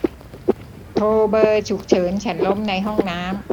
โทรเบอร์ฉุกเฉินฉันล้มในห้องน้ำ